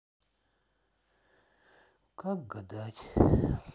как гадать